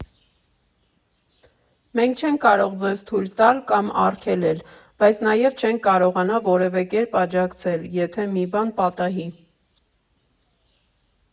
Մենք չենք կարող ձեզ թույլ տալ կամ արգելել, բայց նաև չենք կարողանա որևէ կերպ աջակցել, եթե մի բան պատահի։